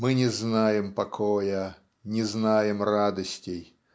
Мы не знаем покоя, не знаем радостей.